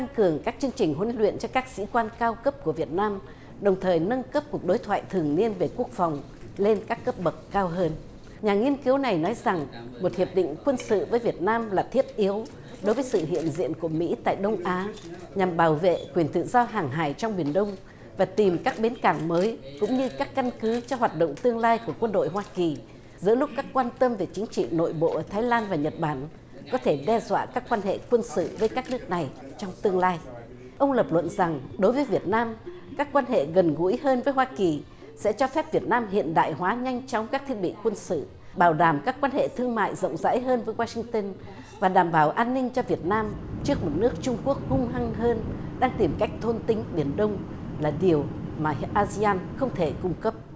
tăng cường các chương trình huấn luyện cho các sĩ quan cao cấp của việt nam đồng thời nâng cấp cuộc đối thoại thường niên về quốc phòng lên các cấp bậc cao hơn nhà nghiên cứu này nói rằng một hiệp định quân sự với việt nam là thiết yếu đối với sự hiện diện của mỹ tại đông á nhằm bảo vệ quyền tự do hàng hải trong biển đông và tìm các bến cảng mới cũng như các căn cứ cho hoạt động tương lai của quân đội hoa kỳ giữa lúc các quan tâm về chính trị nội bộ ở thái lan và nhật bản có thể đe dọa các quan hệ quân sự với các nước này trong tương lai ông lập luận rằng đối với việt nam các quan hệ gần gũi hơn với hoa kỳ sẽ cho phép việt nam hiện đại hóa nhanh chóng các thiết bị quân sự bảo đảm các quan hệ thương mại rộng rãi hơn với goa sinh tơn và đảm bảo an ninh cho việt nam trước mực nước trung quốc hung hăng hơn đang tìm cách thôn tính biển đông là điều mà a sê an không thể cung cấp